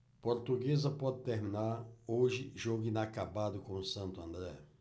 portuguesa pode terminar hoje jogo inacabado com o santo andré